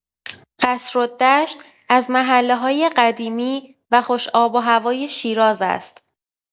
قصرالدشت از محله‌های قدیمی و خوش آب و هوای شیراز است.